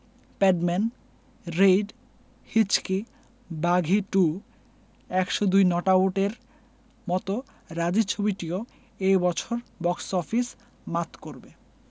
Padman Raid Hichki Baaghi two ১০২ not আউটের মতো রাজী ছবিটিও এ বছর বক্স অফিস মাত করবে